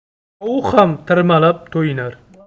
tovuq ham tirmalab to'yinar